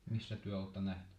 missä te olette nähnyt